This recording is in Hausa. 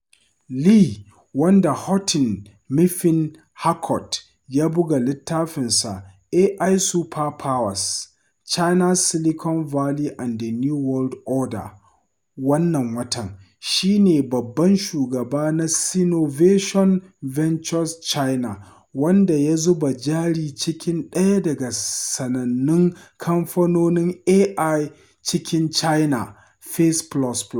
Lee, wanda Houghton Mifflin Harcourt ya buga littafinsa "AI Superpowers: China, Silicon Valley and the New World Order" wannan watan, shi ne Babban Shugaba na Sinovation Ventures China, wanda ya zuba jari a cikin daya daga sanannun kamfanonin AI a cikin China, Face++.